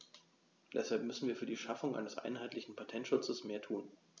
Deshalb müssen wir für die Schaffung eines einheitlichen Patentschutzes mehr tun.